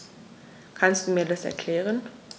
Kannst du mir das erklären?